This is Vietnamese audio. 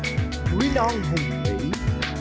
núi non hùng vĩ